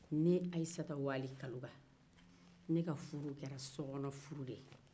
ne ayisata wali kaloga ne ka furu kɛra sokɔnɔ furu de ye